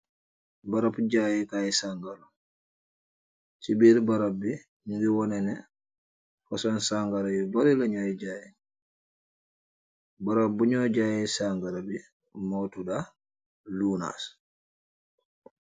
Barab jaayekaay sangara, ci biir barab bi, ñigee wone ne foson sangaro yu bari lañuy jaaye. Barab buñoo jaaye sangara bi mootuda Lunas.